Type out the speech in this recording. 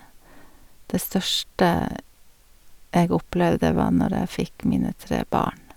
Det største jeg opplevde, var når jeg fikk mine tre barn.